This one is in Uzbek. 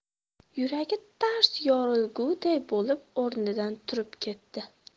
yuragi tars yorilguday bo'lib o'rnidan turib ketdi